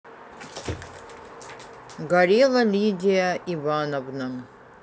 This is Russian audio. горела лидия ивановна